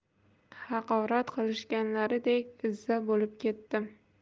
haqorat qilishganlaridek izza bo'lib ketdim